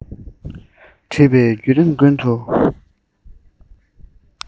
བྲོས པའི བརྒྱུད རིམ ཀུན ཏུ